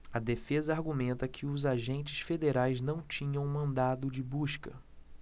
a defesa argumenta que os agentes federais não tinham mandado de busca